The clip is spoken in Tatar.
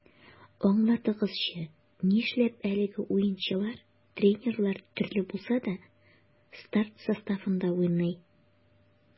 Аңлатыгызчы, нишләп әлеге уенчылар, тренерлар төрле булса да, старт составында уйный?